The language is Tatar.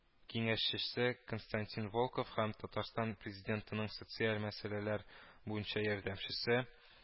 Киңәшчесе константин волков һәм татарстан президентының социаль мәсьәләләр буенча ярдәмчесе